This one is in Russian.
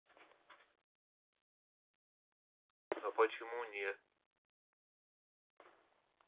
а почему не